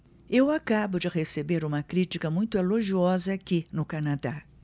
eu acabo de receber uma crítica muito elogiosa aqui no canadá